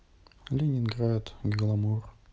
ленинград гламур